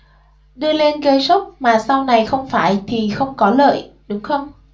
đưa lên gây sốc mà sau này không phải thì không có lợi đúng không